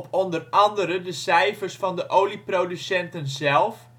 onder andere de cijfers van de olieproducenten zelf